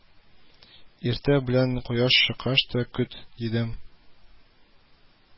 Иртә белән кояш чыккач та көт, дидем